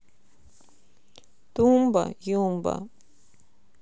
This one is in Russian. тумба юмба